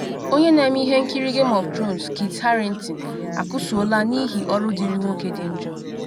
Onye na-eme ihe nkiri Game of Thrones Kit Harrington akụsuola n’ihi ọrụ dịrị nwoke dị njọ